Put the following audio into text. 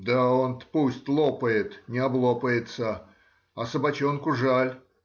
да он-то пусть лопает,— не облопается, а собачонку жаль.